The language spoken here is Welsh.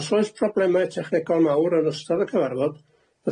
Os oes problemau technegol mawr yn ystod y cyfarfod,